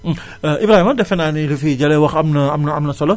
Ibrahima defe naa ne li fi Jalle wax am na am na am na solo